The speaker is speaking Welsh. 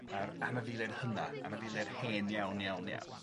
yr anifeiliaid hynna anifeiliaid hen iawn iawn iawn.